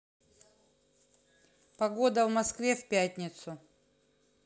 погода в москве в пятницу